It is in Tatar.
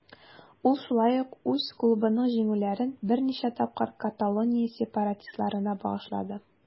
Ул шулай ук үз клубының җиңүләрен берничә тапкыр Каталония сепаратистларына багышлады.